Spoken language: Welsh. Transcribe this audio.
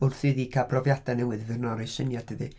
Wrth iddi cael profiadau newydd fydd hynny'n rhoi syniad iddi hi.